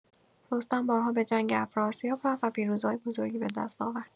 رستم بارها به جنگ افراسیاب رفت و پیروزی‌های بزرگی به دست آورد.